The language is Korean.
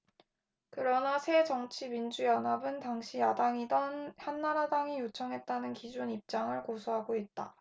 그러나 새정치민주연합은 당시 야당이던 한나라당이 요청했다는 기존 입장을 고수하고 있다